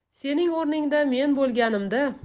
sening o'rningda men bo'lganimda